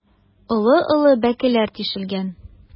Олы-олы бәкеләр тишелгән.